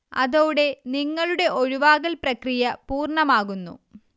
അതോടെ നിങ്ങളുടെ ഒഴിവാകൽ പ്രക്രിയ പൂർണ്ണമാകുന്നു